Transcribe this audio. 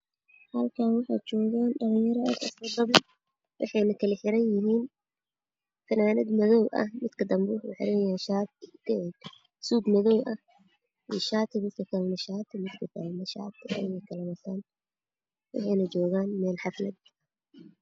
Halkaan waxaa joga dhalinyaro aad fananad madow shaati waxayna joogan